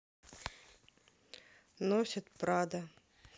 носит prada